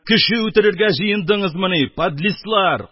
— кеше үтерергә җыендыңызмыни, подлислар...